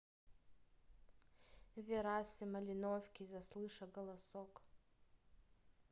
верасы малиновки заслыша голосок